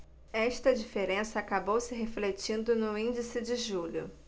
esta diferença acabou se refletindo no índice de julho